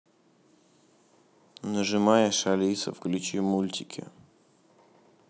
нажимаешь алиса включи мультики